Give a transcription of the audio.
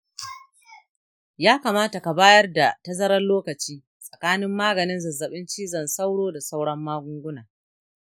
ya kamata ka bayar da tazarar lokaci tsakanin maganin zazzabin cizon sauro da sauran magunguna.